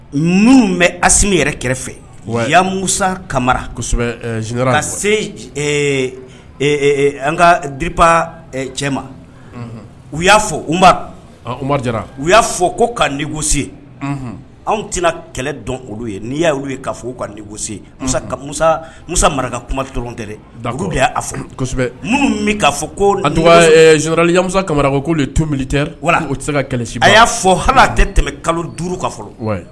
Minnu bɛ asi yɛrɛ kɛrɛfɛ ya musa kamarasɛbɛ ka se an ka di cɛ ma u y'a fɔ u y'a fɔ ko kagosi anw tɛna kɛlɛ dɔn olu ye n'i y'a ye ka fɔ ka musa kuma dɔrɔn tɛ dɛ y'a fɔsɛbɛ' fɔ koo yasa kamara'olu tobili wa ka a y'a fɔ hali tɛ tɛmɛ kalo duuru ka fɔ